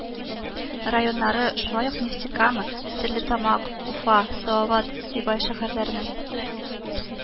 Районнары, шулай ук нефтекама, стәрлетамак, уфа, салават, сибай шәһәрләренең